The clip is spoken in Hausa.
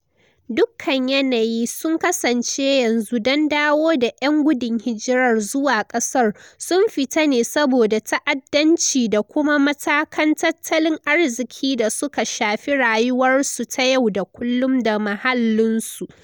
Dukkan yanayi sun kasance yanzu don dawo da 'yan gudun hijirar zuwa kasar sun fita ne saboda ta'addanci da kuma matakan tattalin arziki da suka shafi rayuwarsu ta yau da kullum da muhallin su.